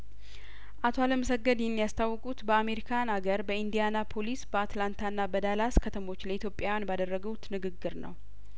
አቶ አለም ሰገድ ይህን ያስታወቁት በአሜሪካን አገር በኢንዲያና ፖሊስ በአትላንታና በዳላስ ከተሞች ለኢትዮጵያውያን ባደረጉ ትንግግር ነው